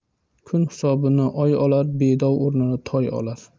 kun hisobini oy olar bedov o'rnini toy olar